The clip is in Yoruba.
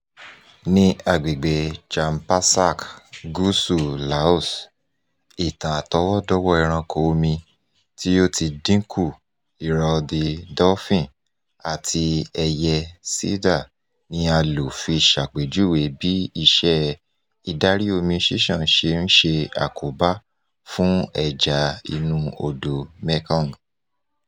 Ní agbègbè Champasak, gúúsù Laos, ìtàn àtọwọ́dọ́wọ́ọ ẹranko omi tí ó ti ń dínkù Irrawaddy dolphin àti ẹyẹ Sida ni a ń lò fi ṣe àpèjúwe bí iṣẹ́ ìdarí-omi-ṣíṣàn ṣe ń ṣe àkóbá fún ẹja inú odò Mekong.